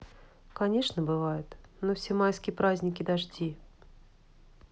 конечно бывает но все майские праздники дожди